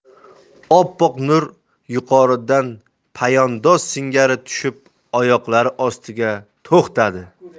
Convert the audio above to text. oppoq nur yuqoridan poyandoz singari tushib oyoqlari ostida to'xtadi